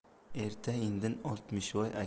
erta indin oltmishvoy